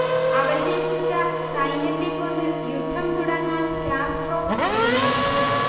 അവശേഷിച്ച സൈന്യത്തെക്കൊണ്ടു യുദ്ധം തുടങ്ങാൻ കാസ്ട്രോ തീരുമാനിച്ചു